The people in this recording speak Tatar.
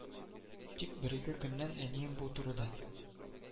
Тик бер-ике көннән әнием бу турыда